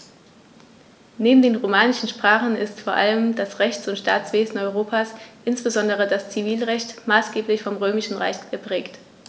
Neben den romanischen Sprachen ist vor allem das Rechts- und Staatswesen Europas, insbesondere das Zivilrecht, maßgeblich vom Römischen Recht geprägt.